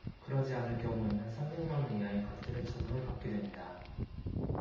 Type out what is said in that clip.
그러지 않을 경우에는 삼백 만 원 이하의 과태료 처분을 받게 됩니다